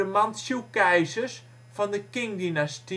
Mantsjoekeizers van de Qing-dynastie